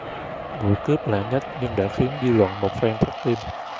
vụ cướp lãng nhách nhưng đã khiến dư luận một phen thót tim